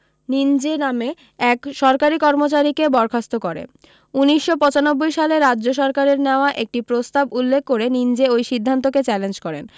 নিঞ্জে নামে এক সরকারী কর্মচারীকে বরখাস্ত করে উনিশশো পঁচানব্বই সালে রাজ্য সরকারের নেওয়া একটি প্রস্তাব উল্লেখ করে নিঞ্জে ওই সিদ্ধান্তকে চ্যালেঞ্জ করেন